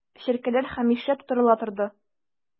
Ә чәркәләр һәмишә тутырыла торды...